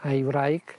a'i wraig...